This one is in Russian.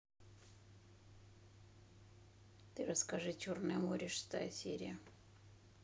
ты расскажи черное море шестая серия